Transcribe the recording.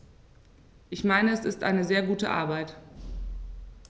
Ich meine, es ist eine sehr gute Arbeit.